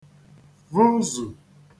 vụzù